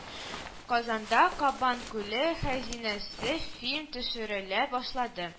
Казанда кабан күле хәзинәсе фильм төшерелә башлады